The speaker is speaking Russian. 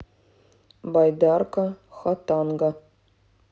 байдарка хатанга